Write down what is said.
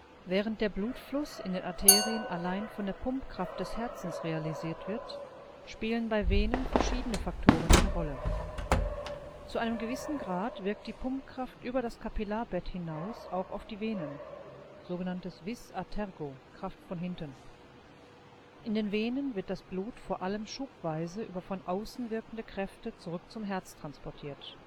Während der Blutfluss in den Arterien allein von der Pumpkraft des Herzens realisiert wird, spielen bei Venen verschiedene Faktoren eine Rolle. Zu einem gewissen Grad wirkt die Pumpkraft über das Kapillarbett hinaus auch auf die Venen (sog. vis a tergo, „ Kraft von hinten “). In den Venen wird das Blut vor allem schubweise über von außen wirkende Kräfte zurück zum Herz transportiert